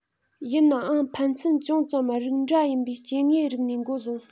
ཡིན ནའང ཕན ཚུན ཅུང ཙམ རིགས འདྲ ཡིན པའི སྐྱེ དངོས རིགས ནས མགོ བཟུང